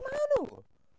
Maen nhw!